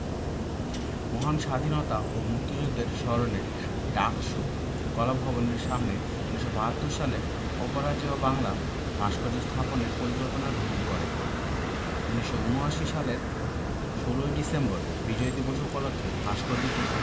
মহান স্বাধীনতা ও মুক্তিযুদ্ধের স্মরণে ডাকসু কলাভবনের সামনে ১৯৭২ সালে অপরাজেয় বাংলা ভাস্কর্য স্থাপনের পরিকল্পনা গ্রহণ করে ১৯৭৯ সালের ১৬ ডিসেম্বর বিজয় দিবস উপলক্ষে ভাস্কর্যটি